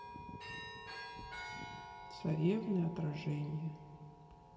царевны отражение